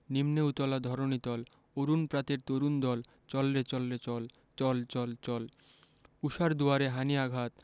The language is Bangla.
নিম্নে উতলা ধরণি তল অরুণ প্রাতের তরুণ দল চল রে চল রে চল চল চল চল ঊষার দুয়ারে হানি আঘাত